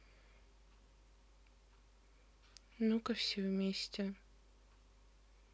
ну ка все вместе